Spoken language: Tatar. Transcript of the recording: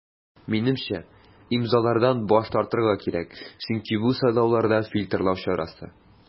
Минемчә, имзалардан баш тартырга кирәк, чөнки бу сайлауларда фильтрлау чарасы.